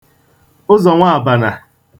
ụzọ̀nwaàbànà